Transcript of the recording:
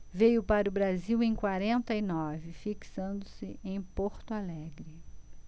veio para o brasil em quarenta e nove fixando-se em porto alegre